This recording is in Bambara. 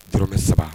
Dɔrɔmɛ 3